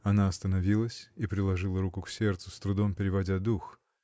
Она остановилась и приложила руку к сердцу, с трудом переводя дух.